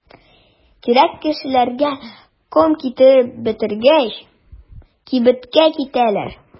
Кирәк кешеләргә ком китереп бетергәч, кибеткә китәләр.